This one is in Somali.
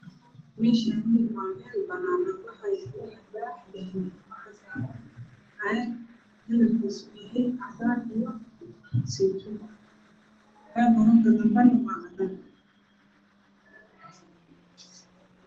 Meeshaan waa meel banaan ah waxaa yaalo alwaax dahabi ah waxaa saaran caag kalarkiisu yahay cadaan iyo seytuun. Ka dambana waa cadaan.